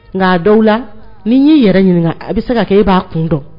Nka a dɔw la ni y'i yɛrɛ ɲininka a bɛ se ka kɛ e b'a kun dɔn